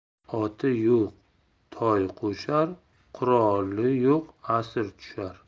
oti yo'q toy qo'shar quroli yo'q asir tushar